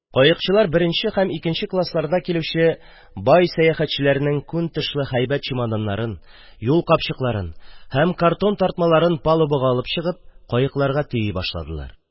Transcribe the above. Каекчылар беренче һәм икенче классларда килүче бай сәяхәтчеләрнең күн тышлы яхшы чемоданнарын, юл капчыкларын һәм картон тартмаларын палубага алып чыгып, каекларга төйи башладылар.